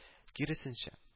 Киресенчә